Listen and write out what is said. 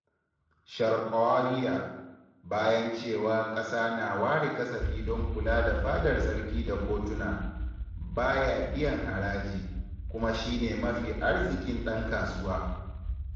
charquaoia: Bayan cewa ƙasa na ware kasafi don kula da fadar sarki da kotuna, ba ya biyan haraji, kuma shi ne mafi arziƙin ɗan kasuwa.